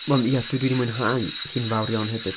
Wel ia dwi 'di mwynhau hi'n fawr iawn hefyd.